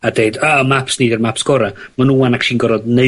a deud ah maps 'di'r maps gora, ma' nw 'wan acsiwlu'n gorod neu'